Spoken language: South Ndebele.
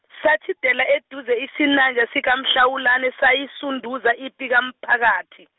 satjhidela eduze, isinanja sikaMhlawulani sayisunduza ipi komphakathi.